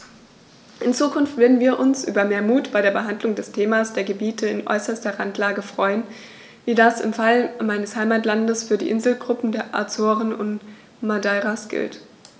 In Zukunft würden wir uns über mehr Mut bei der Behandlung des Themas der Gebiete in äußerster Randlage freuen, wie das im Fall meines Heimatlandes für die Inselgruppen der Azoren und Madeiras gilt.